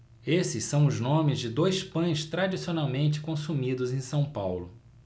esses são os nomes de dois pães tradicionalmente consumidos em são paulo